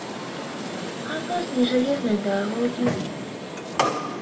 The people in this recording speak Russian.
опасные железные дороги